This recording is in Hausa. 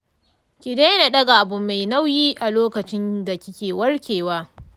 ki daina daga abu mai nauyi a lokacinda kike warkewa.